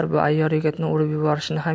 bu ayyor yigitni urib yuborishini ham